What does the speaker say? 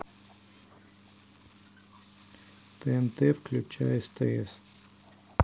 тнт включай стс